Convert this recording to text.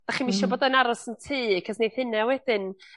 'dach chi'm isio bod yn aros yn tŷ 'c'os neith hynna wedyn